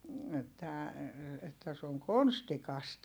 että että se on konstikasta